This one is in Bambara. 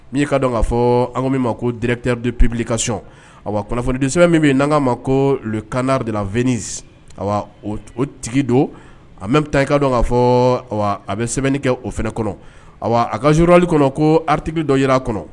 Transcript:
N'i ka dɔn k kaa fɔ an min ma ko dteridu ppip kasɔn kunnafonidi sɛbɛn min bɛ yen n' ma ko lk dela2i o tigi don a bɛ bɛ taa i ka dɔn kaa fɔ a bɛ sɛbɛnni kɛ o fana kɔnɔ a kazurli kɔnɔ ko riti dɔ jira a kɔnɔ